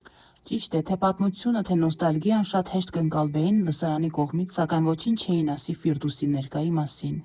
Ճիշտ է, թե՛ պատմությունը, թե՛ նոստալգիան շատ հեշտ կընկալվեին լսարանի կողմից, սակայն ոչինչ չէին ասի Ֆիրդուսի ներկայի մասին։